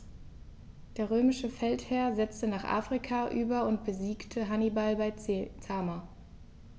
Der römische Feldherr setzte nach Afrika über und besiegte Hannibal bei Zama.